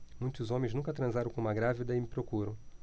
muitos homens nunca transaram com uma grávida e me procuram